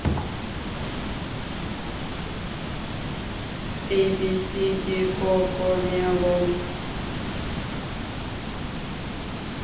эй би си ди кокомелон